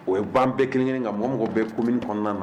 O ye ban bɛɛ kelenkelen ka mɔgɔ mɔgɔ bɛɛ ko ni kɔnɔna na